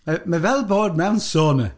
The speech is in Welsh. Mae... mae fel bod mewn sauna.